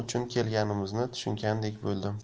uchun kelganimizni tushungandek bo'ldim